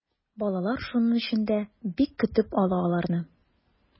Балалар шуның өчен дә бик көтеп ала аларны.